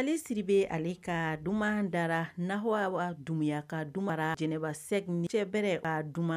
Ale siri bɛ ale ka duman dara na dunya ka dun mara jɛnɛba sɛ sɛɛrɛ ka dun